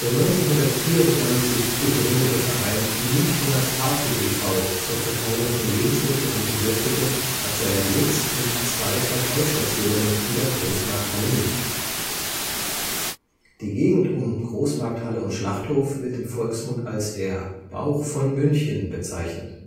1994 gegründete Verein Münchner Tafel e.V. (siehe Tafel) zur Verteilung von Lebensmitteln an Bedürftige hat seinen Sitz und zwei Verteilstationen in der Großmarkthalle München. Gaststätte Großmarkthalle, im Hintergrund das Kontorhaus I Die Gegend um Großmarkthalle und Schlachthof wird im Volksmund als der „ Bauch von München “bezeichnet